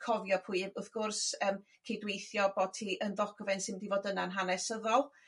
cofio pwy wrth gwrs yym cydweithio bod hi yn ddogfen sy mynd i fod yna'n hanesyddol.